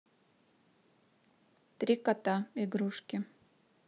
три кота игрушки